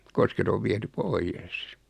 kosket on viety pois